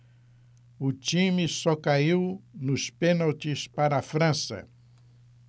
o time só caiu nos pênaltis para a frança